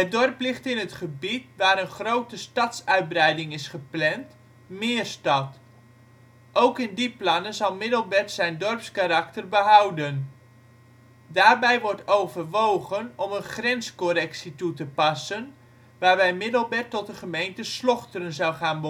dorp ligt in het gebied waar een grote stadsuitbreiding is gepland, Meerstad. Ook in die plannen zal Middelbert zijn dorpskarakter behouden. Daarbij wordt overwogen om een grenscorrectie toe te passen, waarbij Middelbert tot de gemeente Slochteren zou gaan